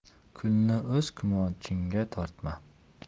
kulni o'z kumochingga tortma